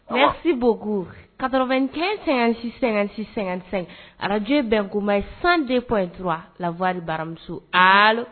Mɛsibuguugu karɔ kelen sɛgɛn-sɛ-sɛ-sɛ arajo bɛn kumama ye san dep yetura lawari baramuso